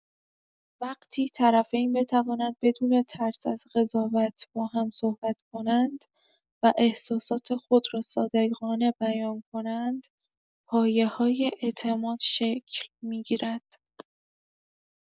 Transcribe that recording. وقتی طرفین بتوانند بدون ترس از قضاوت با هم‌صحبت کنند و احساسات خود را صادقانه بیان کنند، پایه‌های اعتماد شکل می‌گیرد.